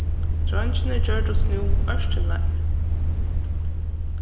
dreingirnir gjørdust nú ørkymlaðir